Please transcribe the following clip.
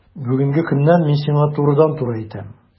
Бүгенге көннән мин сиңа турыдан-туры әйтәм: